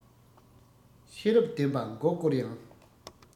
ཤེས རབ ལྡན པ མགོ བསྐོར ཡང